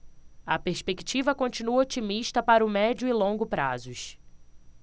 a perspectiva continua otimista para o médio e longo prazos